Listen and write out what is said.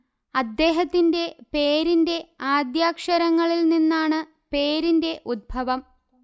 അദ്ദേഹത്തിന്റെ പേരിന്റെ ആദ്യാക്ഷരങ്ങളിൽ നിന്നാണ് പേരിന്റെ ഉത്ഭവം